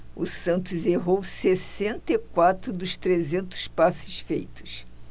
o santos errou sessenta e quatro dos trezentos passes feitos